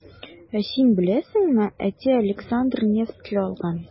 Ә син беләсеңме, әти Александр Невский алган.